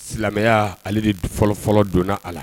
Silamɛya ale de fɔlɔfɔlɔ donna a la